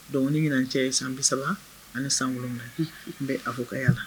Donc o ni ɲinan cɛ ye 37 ye , unhun, n bɛ avocat ya la.